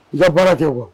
La baarara tɛ kuwa